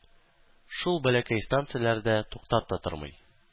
Шул бәләкәй станцияләрдә туктап та тормый.